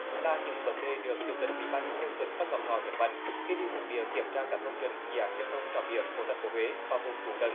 là những vấn đề được chủ tịch ủy ban nhân dân tỉnh phan ngọc thọ nhấn mạnh khi đi thực địa kiểm tra các công trình dự án giao thông trọng điểm của thành phố huế và vùng phụ cận